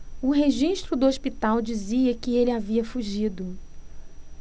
o registro do hospital dizia que ele havia fugido